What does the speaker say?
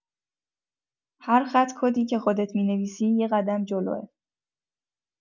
هر خط کدی که خودت می‌نویسی، یه قدم جلوئه.